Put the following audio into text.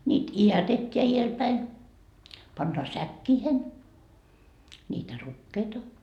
niitä idätetään edelläpäin pannaan säkkeihin niitä rukiita